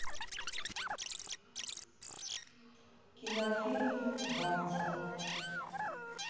кинофильм батя